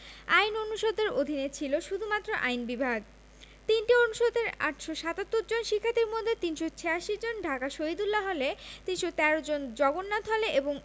আইন অনুষদের অধীনে ছিল শুধুমাত্র আইন বিভাগ ৩টি অনুষদের ৮৭৭ জন শিক্ষার্থীর মধ্যে ৩৮৬ জন ঢাকা শহীদুল্লাহ হলে ৩১৩ জন জগন্নাথ হলে এবং